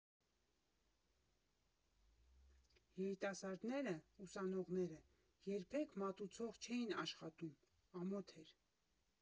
Երիտասարդները, ուսանողները երբեք մատուցող չէին աշխատում՝ ամոթ էր։